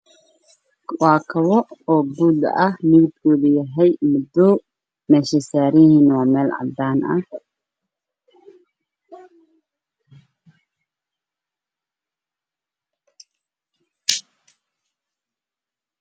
Meeshaan waxaa ka muuqdo kabo buud ah oo midibkooda yahay madow